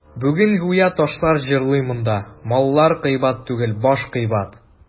Бүген гүя ташлар җырлый монда: «Маллар кыйбат түгел, баш кыйбат».